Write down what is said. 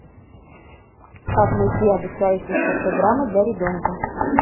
как найти обучающиеся программы для ребенка